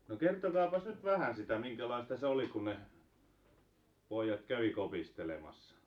no kertokaapas nyt vähän sitä minkälaista se oli kun ne pojat kävi kopistelemassa